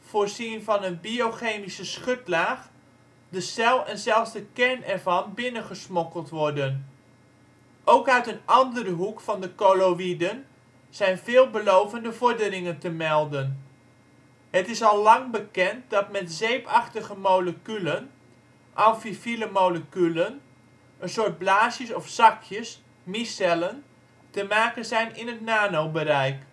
voorzien van een biochemische schutlaag, de cel en zelfs de kern ervan binnengesmokkeld worden. Ook uit een andere hoek van de colloïden zijn veelbelovende vorderingen te melden. Het is al lang bekend dat met zeepachtige moleculen (amfifiele moleculen) een soort blaasjes of zakjes (micellen) te maken zijn in het nanobereik